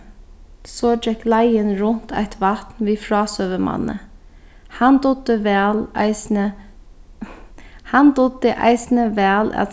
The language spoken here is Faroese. so gekk leiðin runt eitt vatn við frásøgumanni hann dugdi væl eisini hann dugdi eisini væl at